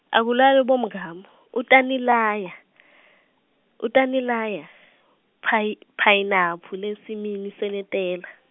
akulalwe bomngamu utanilaya utanilaya, phayi- phayinaphu lensimini senetela.